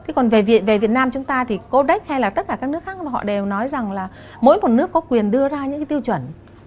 chứ còn về viện về việt nam chúng ta thì cô đếch hay là tất cả các nước khác là họ đều nói rằng là mỗi một nước có quyền đưa ra những tiêu chuẩn